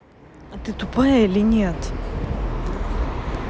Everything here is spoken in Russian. а ты тупая или нет